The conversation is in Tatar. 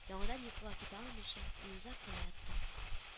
Яңадан йокыга китә алмыйча, мин озак кына яттым